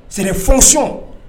Siri fɔsɔn